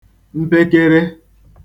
mpekere